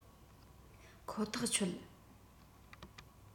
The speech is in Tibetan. ཁོ ཐག ཆོད